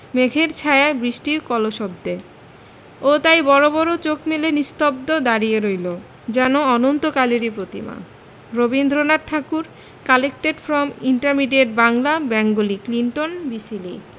মেঘের ছায়ায় বৃষ্টির কলশব্দে ও তাই বড় বড় চোখ মেলে নিস্তব্ধ দাঁড়িয়ে রইল যেন অনন্তকালেরই প্রতিমা Rabindranath Tagore collected from intermediate Bangla Bengali Clinton B Seely